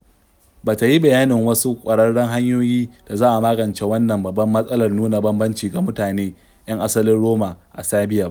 Ba ta yi bayanin wasu ƙwararan hanyoyin da za a magance wannan babbar matsalar nuna bambanci ga mutane 'yan asalin Roma a Serbiya ba.